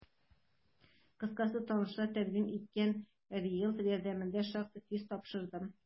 Кыскасы, танышлар тәкъдим иткән риелтор ярдәмендә шактый тиз тапшырдым.